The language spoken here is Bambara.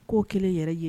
K'o 1 yɛrɛ ye